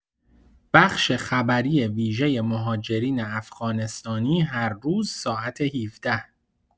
بخش خبری ویژه مهاجرین افغانستانی هر روز ساعت ۱۷